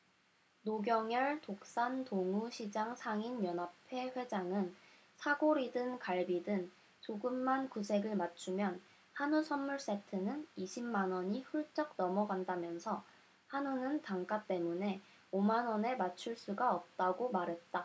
노경열 독산동우시장상인연합회 회장은 사골이든 갈비든 조금만 구색을 맞추면 한우 선물세트는 이십 만 원이 훌쩍 넘어간다면서 한우는 단가 때문에 오 만 원에 맞출 수가 없다고 말했다